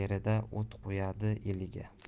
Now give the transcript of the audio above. o't qo'yadi eliga